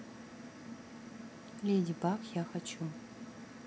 леди баг я хочу